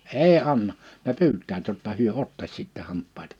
ei anna ne pyytävät jotta he ottaisi sitten hampaita